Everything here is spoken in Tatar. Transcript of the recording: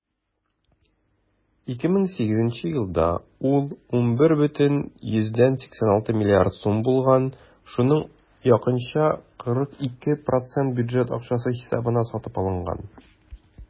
2008 елда ул 11,86 млрд. сум булган, шуның якынча 42 % бюджет акчасы хисабына сатып алынган.